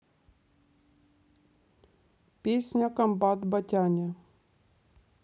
песня комбат батяня